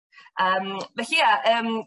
Yym fell ie yym